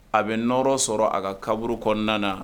A bɛ nɔɔrɔ sɔrɔ a ka kaburu kɔnɔna